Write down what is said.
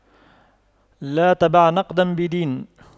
لا تبع نقداً بدين